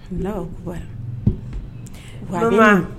Ko